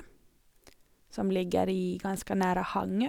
Som ligger i ganske nære Hangö.